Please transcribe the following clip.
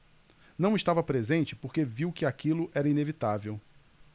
não estava presente porque viu que aquilo era inevitável